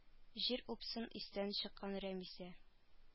Җир упсын истән чыккан рәмисә